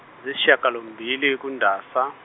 ziyisishagalombili kuNdasa.